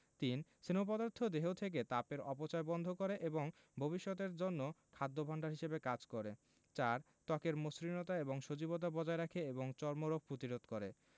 ৩. স্নেহ পদার্থ দেহ থেকে তাপের অপচয় বন্ধ করে এবং ভবিষ্যতের জন্য খাদ্য ভাণ্ডার হিসেবে কাজ করে ৪. ত্বকের মসৃণতা এবং সজীবতা বজায় রাখে এবং চর্মরোগ প্রতিরোধ করে